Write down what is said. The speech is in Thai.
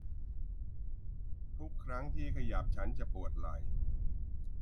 ทุกครั้งที่ขยับฉันจะปวดไหล่